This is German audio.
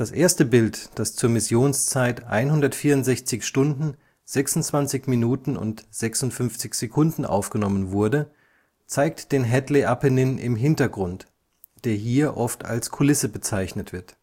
erste Bild, das zur Missionszeit 164:26:56 aufgenommen wurde (zum Beginn der EVA), zeigt den Hadley-Apennin im Hintergrund, der hier oft als Kulisse bezeichnet wird